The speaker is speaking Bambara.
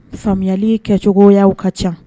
Faamuyali kɛ cogoyaw ka ca.